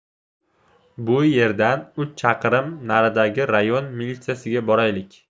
bu yerdan uch chaqirim naridagi rayon militsiyasiga boraylik